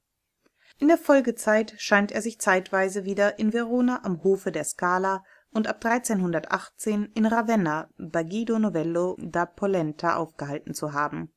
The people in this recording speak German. der Folgezeit scheint er sich zeitweise wieder in Verona am Hof der Scala und ab 1318 in Ravenna bei Guido Novello da Polenta aufgehalten zu haben